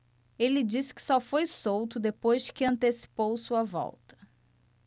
ele disse que só foi solto depois que antecipou sua volta